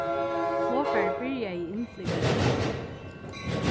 flogfarið byrjaði innflúgvingina